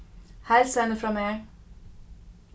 heilsa henni frá mær